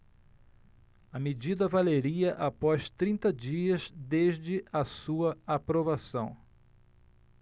a medida valeria após trinta dias desde a sua aprovação